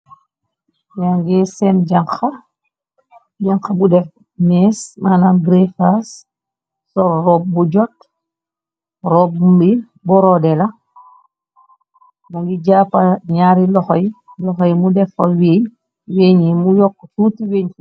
Ya ngi seen janxa bu def mees mana brefas sor rob bu jot. rob bi boroode la bu ngi jàppa ñaari loxoy loxoy mu defa weeñ weeñi mu yokk tuutu weeñ.